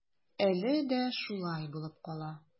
Әле дә шулай булып кала.